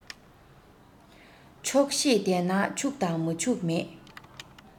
ཆོག ཤེས ལྡན ན ཕྱུག དང མ ཕྱུག མེད